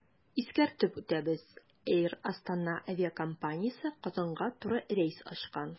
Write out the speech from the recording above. Искәртеп үтәбез, “Эйр Астана” авиакомпаниясе Казанга туры рейс ачкан.